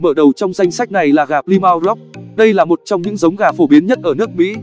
mở đầu trong danh sách này là gà plymouth rock đây là một trong những giống gà phổ biến nhất ở nước mỹ